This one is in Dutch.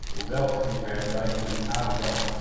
Hoewel het in vergelijking met Aduard